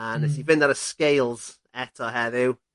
a... Hmm ...nes i fynd a'r y scales eto heddiw